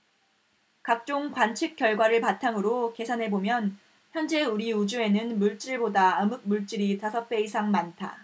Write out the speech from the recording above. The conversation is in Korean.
각종 관측 결과를 바탕으로 계산해 보면 현재 우리 우주에는 물질보다 암흑물질이 다섯 배 이상 많다